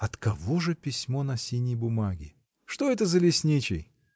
От кого же письмо на синей бумаге? — Что это за лесничий?